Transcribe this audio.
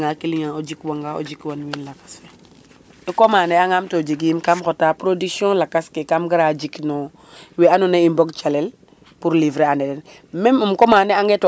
jega nga client o jik wanga o jik wan win lakas we o commander angam to jegim kam xota production lakas ke kam gara jek no we ando naye in mbog calel pour livrer ana den meme um commander ange to